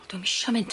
Wel dwi'm isio mynd.